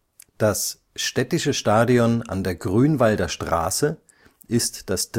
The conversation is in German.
Das Städtische Stadion an der Grünwalder Straße (kurz